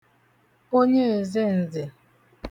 onye èzenze